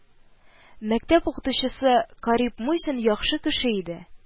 Мәктәп укытучысы Карип Мусин яхшы кеше иде